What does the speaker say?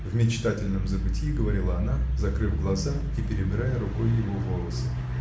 — в мечтательном забытьи говорила она, закрыв глаза и перебирая рукой его волосы.